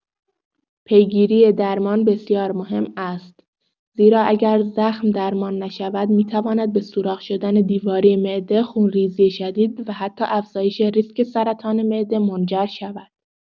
پیگیری درمان بسیار مهم است زیرا اگر زخم درمان نشود می‌تواند به سوراخ شدن دیواره معده، خونریزی شدید و حتی افزایش ریسک سرطان معده منجر شود.